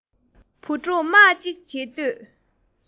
བུ ཕྲུག དམག ཅིག བྱེད འདོད